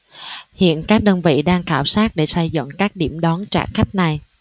hiện các đơn vị đang khảo sát để xây dựng các điểm đón trả khách này